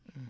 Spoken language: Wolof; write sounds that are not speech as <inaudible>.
<hesitation>